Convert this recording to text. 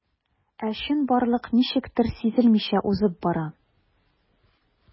Ә чынбарлык ничектер сизелмичә узып бара.